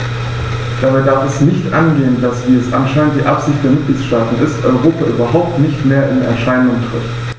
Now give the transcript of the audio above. Dabei darf es nicht angehen, dass - wie es anscheinend die Absicht der Mitgliedsstaaten ist - Europa überhaupt nicht mehr in Erscheinung tritt.